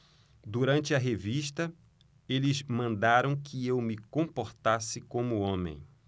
durante a revista eles mandaram que eu me comportasse como homem